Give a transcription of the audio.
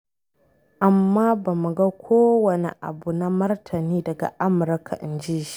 "Amma, ba mu ga kowane abu na martani daga Amurka,” inji shi.